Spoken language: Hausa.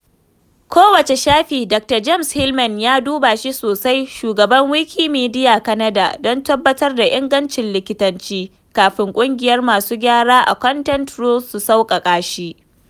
Kowace shafi Dakta James Heilman ya duba shi sosai, shugaban Wikimedia Canada, don tabbatar da ingancin likitanci, kafin ƙungiyar masu gyara a Content Rules su sauƙaƙa shi.